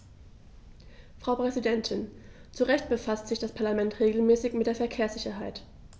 Frau Präsidentin, zu Recht befasst sich das Parlament regelmäßig mit der Verkehrssicherheit.